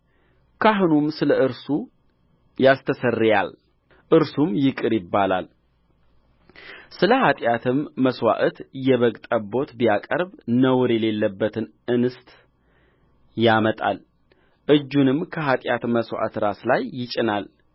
ካህኑም ስለ እርሱ ያስተሰርያል እርሱም ይቅር ይባላልስለ ኃጢአትም መሥዋዕት የበግ ጠቦት ቢያቀርብ ነውር የሌለባትን እንስት ያመጣልእጁንም በኃጢአት መሥዋዕት ራስ ላይ ይጭናል